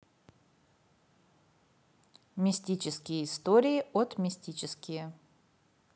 мистические истории от мистические